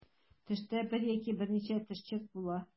Төштә бер яки берничә төшчек була.